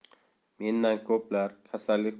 mendan ko'plar kasallik